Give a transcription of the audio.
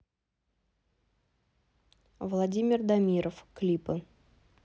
владимир дамиров клипы